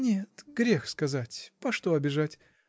— Нет, грех сказать: почто обижать?